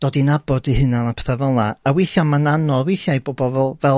dod i nabod i hunan a petha' fel 'na a wiithia ma'n anodd withia i bobol fel